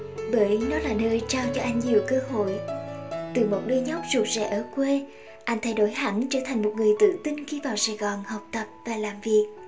bởi nó là nơi trao cho anh nhiều cơ hội từ một đứa nhóc rụt rè ở quê anh thay đổi hẳn trở thành một người tự tin khi vào sài gòn học tập và làm việc